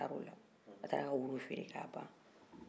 ola a taara ka woro feere ka ban